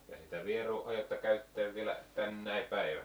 ja sitä vierua aiotte käyttää vielä tänäkin päivänä